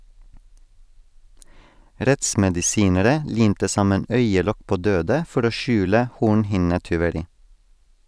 Rettsmedisinere limte sammen øyelokk på døde for å skjule hornhinnetyveri.